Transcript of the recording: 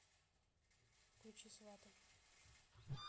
включить сваты